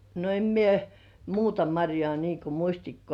no en minä muuta marjaa niin kuin mustikoita